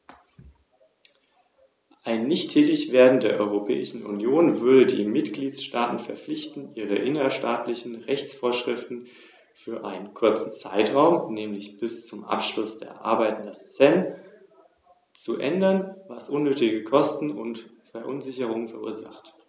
In der Strategie Europa 2020 haben wir uns vor allem auf erneuerbare Energien konzentriert, und das ist auch richtig so.